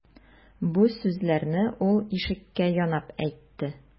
Бу сүзләрне ул ишеккә янап әйтте.